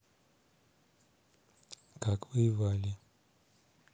как воевали